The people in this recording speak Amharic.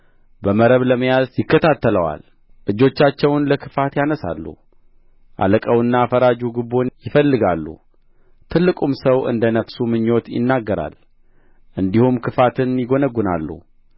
በመረብ ለመያዝ ይከታተለዋል እጆቻቸውን ለክፋት ያነሣሉ አለቃውና ፈራጁ ጉቦን ይፈልጋሉ ትልቁም ሰው እንደ ነፍሱ ምኞት ይናገራል እንዲሁም ክፋትን ይጐነጕናሉ